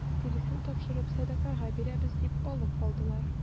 Тиресен тапшырып сәдакага бирәбез дип алып калдылар.